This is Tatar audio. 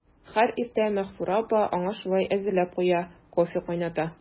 Һәр иртә Мәгъфүрә апа аңа шулай әзерләп куя, кофе кайната.